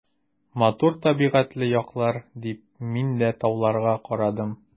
Матур табигатьле яклар, — дип мин дә тауларга карадым.